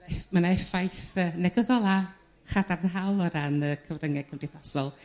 Th- ma' 'na effaith yrr negyddol a chadarnhaol o ran y cyfryngau cymdeithasol.